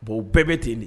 Bon bɛɛ bɛ ten nin